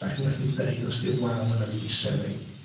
Dach chi'n gallu deud os di'r wal yna'n mynd i sefyll.